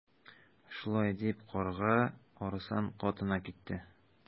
Шулай дип Карга Арыслан катына китте.